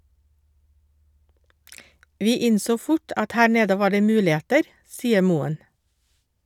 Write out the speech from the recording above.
Vi innså fort at her nede var det muligheter, sier Moen.